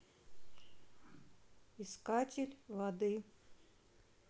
искатель воды